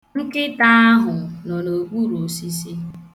Nkịta ahụ nọ n'okpuru osisi